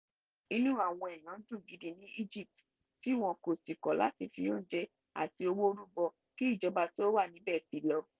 @HB_1_2011: inú àwọn èèyàn dùn gidi ní egypt, tí wọ́n ò sì kọ̀ láti fi oúnjẹ àti owó rúbọ kí ìjọba tí ó wà níbẹ̀ fi lọ #jan25 #egypt.